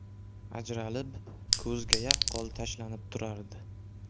ajralib ko'zga yaqqol tashlanib turardi